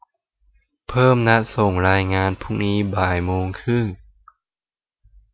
เพิ่มนัดส่งรายงานพรุ่งนี้บ่ายโมงครึ่ง